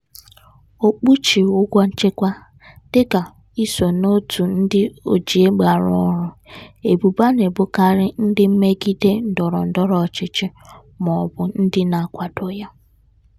O kpuchighi ụgwọ nchekwa, dịka i so n'otu ndị oji egbe arụ ọrụ - ebubo a na-ebokarị ndị mmegide ndọrọ ndọrọ ọchịchị maọbu ndị na-akwado ya.